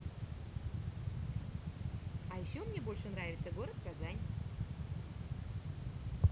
а еще мне больше нравится город казань